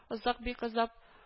Озак, бик озап